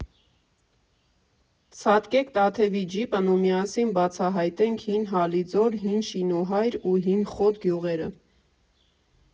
Ցատկեք Տաթևի ջիպն ու միասին բացահայտենք Հին Հալիձոր, Հին Շինուհայր ու Հին Խոտ գյուղերը։